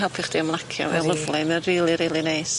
Helpu chdi ymlacio mae lyfli ma' rili rili neis.